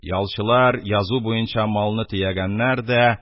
Ялчылар язу буенча малны төягәннәр дә